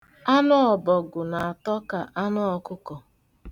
Anụ ọbọgwụ na-atọ ka anụ ọkụkọ.